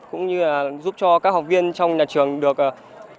cũng như là giúp cho các học viên trong nhà trường được à